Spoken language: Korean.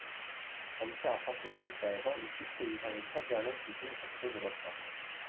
전체 아파트 구입자에서 육십 대 이상이 차지하는 비중 자체도 늘었다